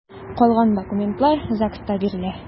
Калган документлар ЗАГСта бирелә.